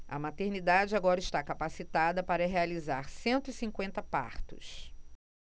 a maternidade agora está capacitada para realizar cento e cinquenta partos